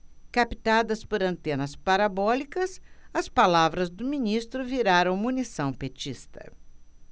captadas por antenas parabólicas as palavras do ministro viraram munição petista